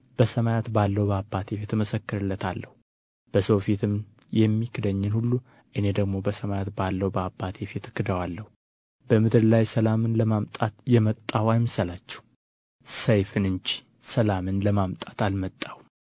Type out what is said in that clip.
በሰማያት ባለው በአባቴ ፊት እመሰክርለታለሁ በሰው ፊትም የሚክደኝን ሁሉ እኔ ደግሞ በሰማያት ባለው በአባቴ ፊት እክደዋለሁ በምድር ላይ ሰላምን ለማምጣት የመጣሁ አይምሰላችሁ ሰይፍን እንጂ ሰላምን ለማምጣት አልመጣሁም